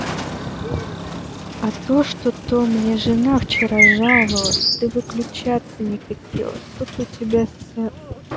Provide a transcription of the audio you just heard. а то что то мне жена вчера жаловалась ты выключаться не хотела что то у тебя с